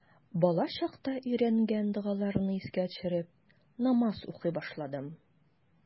Балачакта өйрәнгән догаларны искә төшереп, намаз укый башладым.